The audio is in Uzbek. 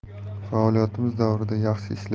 faoliyatimiz davrida yaxshi